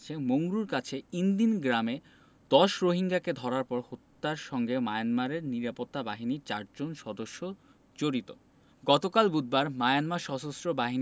তাদের একটি তদন্তদলের অনুসন্ধানে বেরিয়ে এসেছে যে মংডুর কাছে ইনদিন গ্রামে ১০ রোহিঙ্গাকে ধরার পর হত্যার সঙ্গে মিয়ানমারের নিরাপত্তা বাহিনীর চারজন সদস্য জড়িত